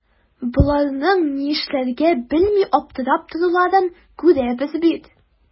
Боларның ни эшләргә белми аптырап торуларын күрәбез бит.